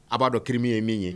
A b'a dɔn k kirimi ye min ye